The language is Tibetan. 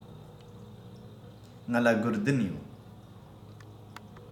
ང ལ སྒོར བདུན ཡོད